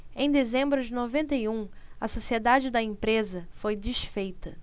em dezembro de noventa e um a sociedade da empresa foi desfeita